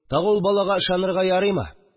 Тагы ул балага ышанырга ярыймы